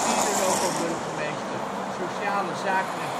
4e loco-burgemeester, Sociale Zaken en